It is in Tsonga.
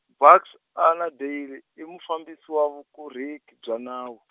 Buks Annandale i mufambisi wa Vukorhokeri bya nawu.